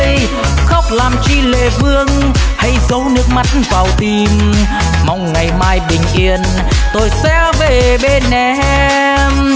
khóc làm chi lệ vương hãy dấu nước mắt vào tim mong ngày mai bình yên tôi sẽ về bên em